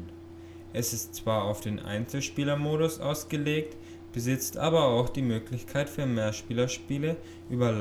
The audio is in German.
Es ist zwar auf den Einzelspielermodus ausgelegt, besitzt aber auch die Möglichkeit für Mehrspielerspiele über